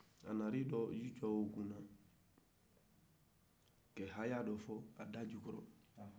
a nan'i jɔ o kunna ka haya dɔ fɔ a ka jukɔrɔ